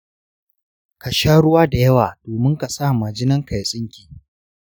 ka sha ruwa da yawa domin ka sa majinan ka ya tsinke.